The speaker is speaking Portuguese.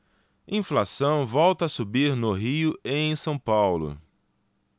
inflação volta a subir no rio e em são paulo